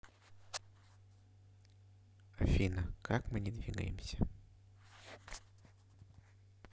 афина как мы не двигаемся